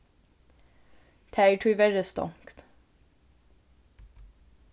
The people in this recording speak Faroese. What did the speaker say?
tað er tíverri stongt